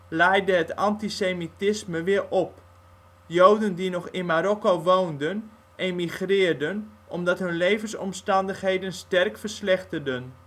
laaide het antisemitisme weer op, Joden die nog in Marokko woonden emigreerden omdat hun levensomstandigheden sterk verslechterden